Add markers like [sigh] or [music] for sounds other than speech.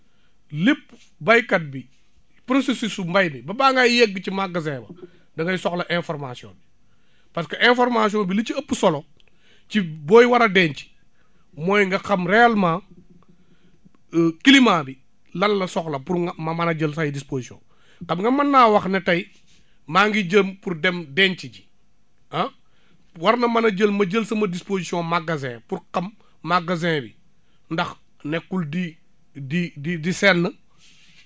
lépp baykat bi processus su mbay mi ba ba ngay yegg ci magasin ba [noise] da ngay soxla information bi [breath] parce que information bi li ci ëpp solo [breath] ci booy war a denc mooy nga xam réellement [hesitation] climat bi lan la soxla pour nga man a jël say dispositions [breath] xam nga man naa wax ne tey maa ngi jëm pour dem denci ji ah war na man a jël ma jël sama disposition magasin pour xam magasin bi ndax nekkul di di di di senn [breath]